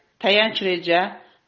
tayanch reja